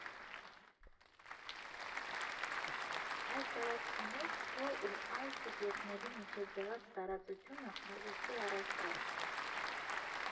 Այս տարածքի մեջ՝ քո ու այլ սուբյեկտների միջև եղած տարածությունը արվեստի առարկա է։